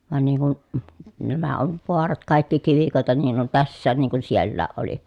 vaan niin kun nämä on vaarat kaikki kivikoita niin on tässäkin niin kuin sielläkin oli